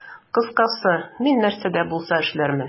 Кыскасы, мин нәрсә дә булса эшләрмен.